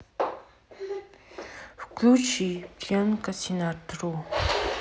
включи френка синатру